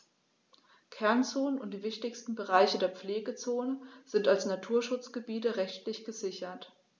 Kernzonen und die wichtigsten Bereiche der Pflegezone sind als Naturschutzgebiete rechtlich gesichert.